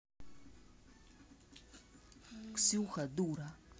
ксюха дура